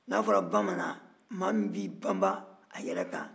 n'a fɔra bamanan maa min b'i banba a yɛrɛ kan